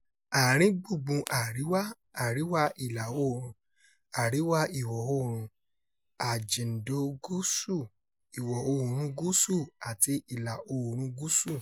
Àárín gbùngbùn Àríwá, Àríwá Ìlà-oòrùn, Àríwá Ìwọ̀-oòrùn, Àjìǹdò-gúúsù, Ìwọ̀-oòrùn gúúsù, àti Ìlà-oòrùnun gúúsù.